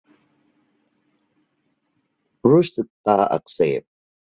รู้สึกตาอักเสบ